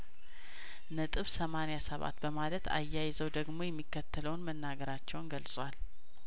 ነጥብ ሰማኒያሰባት በማለት አያይዘው ደግሞ የሚከተለውን መናገራቸውን ገልጿል